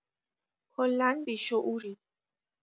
کلا بیشعوری